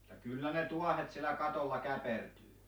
ja kyllä ne tuohet siellä katolla käpertyy